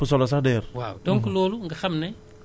di wuti semence da nga ci war a boole